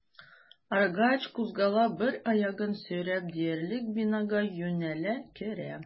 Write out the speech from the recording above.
Арыгач, кузгала, бер аягын сөйрәп диярлек бинага юнәлә, керә.